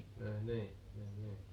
vai niin niin niin